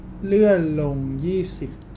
เลื่อนลงยี่สิบ